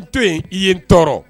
An to in i ye tɔɔrɔ